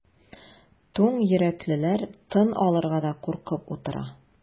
Туң йөрәклеләр тын алырга да куркып утыра.